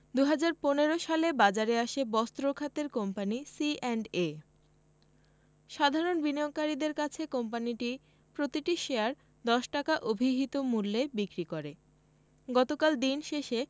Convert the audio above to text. ২০১৫ সালে বাজারে আসে বস্ত্র খাতের কোম্পানি সিঅ্যান্ডএ সাধারণ বিনিয়োগকারীদের কাছে কোম্পানিটি প্রতিটি শেয়ার ১০ টাকা অভিহিত মূল্যে বিক্রি করে গতকাল দিন শেষে